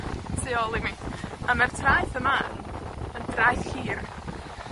tu ôl i mi. A ma'r traeth yma, yn draeth hir.